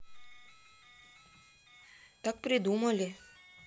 так придумали